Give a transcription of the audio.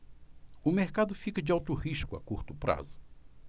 o mercado fica de alto risco a curto prazo